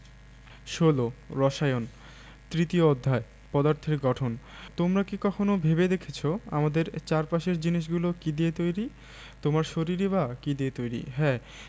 ১৬ রসায়ন তৃতীয় অধ্যায় পদার্থের গঠন তোমরা কি কখনো ভেবে দেখেছ আমাদের চারপাশের জিনিসগুলো কী দিয়ে তৈরি তোমার শরীরই বা কী দিয়ে তৈরি হ্যাঁ